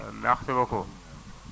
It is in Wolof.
merci beaucoup